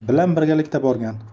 bilan birgalikda borgan